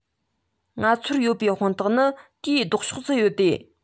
ང ཚོར ཡོད པའི དཔང རྟགས ནི དེའི ལྡོག ཕྱོགས སུ ཡོད དེ